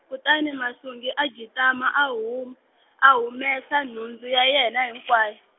kutani Masungi a jitama a hum-, a humesa nhundzu ya yena hinkwayo.